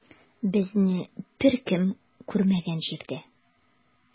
Безне беркем күрмәгән җирдә.